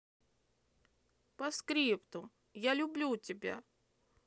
поскриптум я люблю тебя